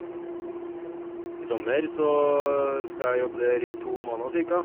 I sommer så skal jeg jobbe der i to måneder, cirka.